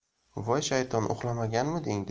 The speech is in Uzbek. voy shayton uxlamaganmiding